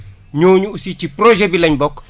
ñooñu aussi ci projet bi lañ bokk